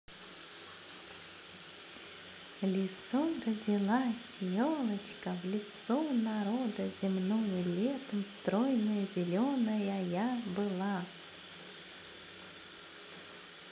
лису родилась елочка в лесу народа земную летом стройная зеленая я была